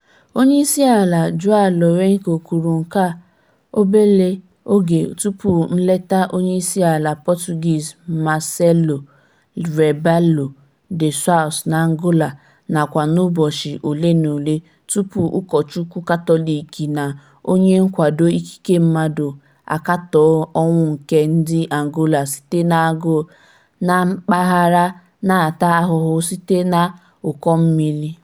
Onyeisiala João Lourenço kwuru nke a obere oge tupu nleta Onyeisiala Portuguese Marcelo Rebelo de Sousa n'Angola, nakwa n'ụbọchị ole na ole tupu Ụkọchukwu Katọlik na onye nkwado ikike mmadụ akatọọ ọnwụ nke ndị Angola sitere n'agụụ na mpaghara na-ata ahụhụ site n'ụkọmmiri.